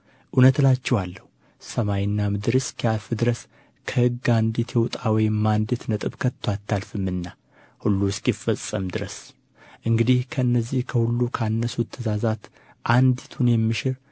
እውነት እላችኋለሁ ሰማይና ምድር እስኪያልፍ ድረስ ከሕግ አንዲት የውጣ ወይም አንዲት ነጥብ ከቶ አታልፍም ሁሉ እስኪፈጸም ድረስ እንግዲህ ከነዚህ ከሁሉ ካነሱት ትእዛዛት አንዲቱን የሚሽር